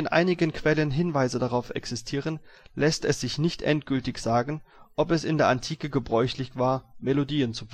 einigen Quellen Hinweise darauf existieren, lässt es sich nicht endgültig sagen, ob es in der Antike gebräuchlich war, Melodien zu